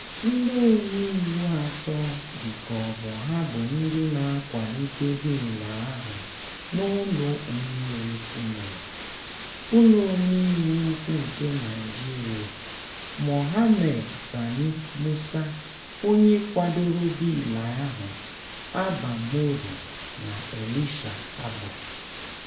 Ndị omeiwu atọ dị ka ọ bụ ha bụ ndị na-akwalite bịịlụ ahụ n'ụlọ omeiwu Sineeti, ụlọ omeiwu ukwu nke Naịjirịa: Mohammed Sani Musa (onye kwadoro bịịlụ ahụ), Abba Moro na Elisha Abbo.